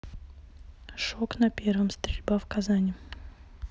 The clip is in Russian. shok на первом стрельба в казани